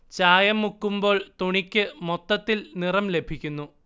ചായം മുക്കുമ്പോൾ തുണിക്ക് മൊത്തത്തിൽ നിറം ലഭിക്കുന്നു